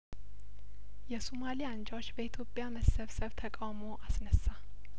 የሱማሌ አንጃዎች በኢትዮጵያ መሰብሰብ ተቃውሞ አስነሳ